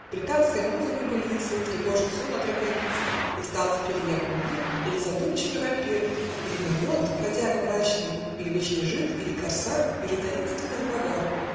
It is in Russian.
Британской музы небылицы Тревожат сон отроковицы, И стал теперь ее кумир Или задумчивый Вампир, Или Мельмот, бродяга мрачный, Иль Вечный жид, или Корсар, Или таинственный Сбогар .